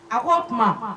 A ko o tuma